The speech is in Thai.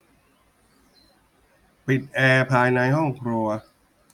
ปิดแอร์ภายในห้องครัว